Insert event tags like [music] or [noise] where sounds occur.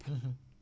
[hesitation] [hesitation]